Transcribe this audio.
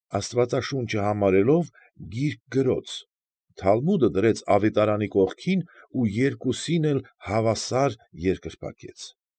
Աստվածաշունչը համարելով գիրք գրոց, Թալմուդը դրեց ավետարանի կողքին ու երկուսին էլ հավասար երկրպագեց։